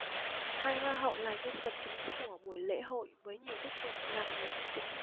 hai hoa hậu là nhân vật chính của buổi lễ hội với nhiều tiết mục làm người mẫu chính